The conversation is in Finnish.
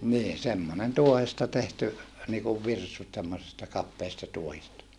niin semmoinen tuohesta tehty niin kuin virsut semmoisesta kapeasta tuohesta